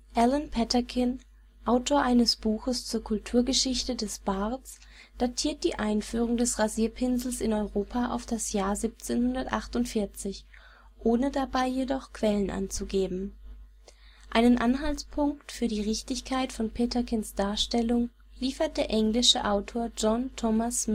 Allan Peterkin, Autor eines Buches zur Kulturgeschichte des Barts, datiert die Einführung des Rasierpinsels in Europa auf das Jahr 1748, ohne dabei jedoch Quellen anzugeben. Einen Anhaltspunkt für die Richtigkeit von Peterkins Darstellung liefert der englische Autor John Thomas